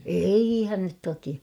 eihän nyt toki